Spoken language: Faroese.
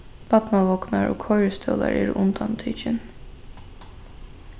barnavognar og koyristólar eru undantikin